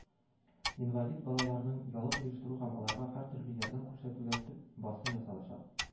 Инвалид балаларның ялын оештыру һәм аларга һәртөрле ярдәм күрсәтүгә төп басым ясалачак